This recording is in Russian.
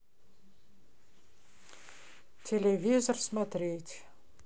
телевизор смотреть